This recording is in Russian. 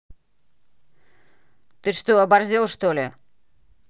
ты что оборзел что ли